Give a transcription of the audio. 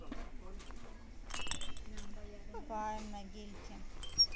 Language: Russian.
бываем на гильге